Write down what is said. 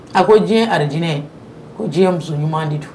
A ko diɲɛ ye aridinɛ, ko diɲɛ muso ɲuman de don